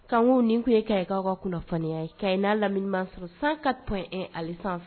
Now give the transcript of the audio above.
Kan nin tun ye ka aw ka kunnafoniya ye ka n'a lamini sɔrɔ san ka tɔn ali